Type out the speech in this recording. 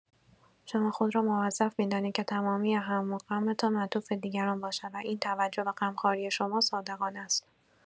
شما خود را موظف می‌دانید که تمامی هم‌وغم‌تان معطوف به دیگران باشد و این توجه و غم‌خواری شما صادقانه است.